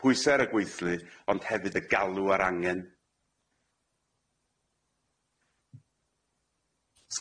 pwysa a'r y gweithlu ond hefyd y galw a'r angen.